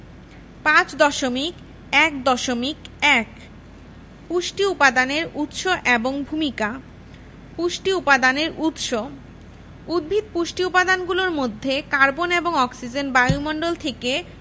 ৫.১.১ পুষ্টি উপাদানের উৎস এবং ভূমিকা পুষ্টি উপাদানের উৎস উদ্ভিদ পুষ্টি উপাদানগুলোর মধ্যে কার্বন এবং অক্সিজেন বায়ুমণ্ডল থেকে